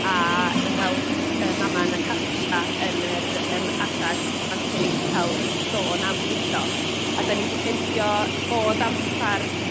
a ymweld y mama yn y cartra yn yr yym adag antinatal i sôn am fwydo a 'dan ni 'di ffindio bod amsar